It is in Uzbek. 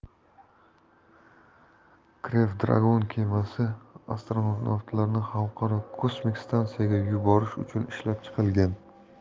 crew dragon kemasi astronavtlarni xalqaro kosmik stansiyaga yuborish uchun ishlab chiqilgan